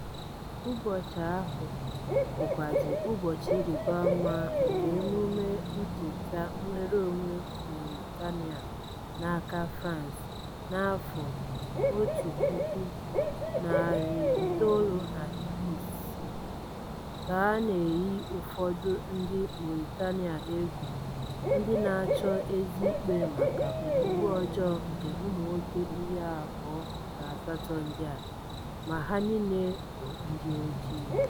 Ụbọchị ahụ, bụkwazị ụbọchị iribaama nke emume ncheta nnwereonwe Mauritania n'aka France na 1960, ka na-eyi ụfọdị ndị Mauritania egwu ndị na-achọ ezi ikpe maka ogbugbu ọjọọ nke ụmụnwoke 28 ndị a, ma ha niile bụ ndị oji.